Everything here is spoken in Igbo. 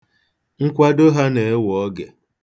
Nkwado ha na-ewe oge.